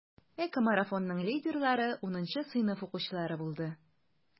ЭКОмарафонның лидерлары 10 сыйныф укучылары булды.